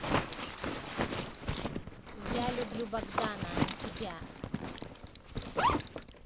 я люблю богдана а не тебя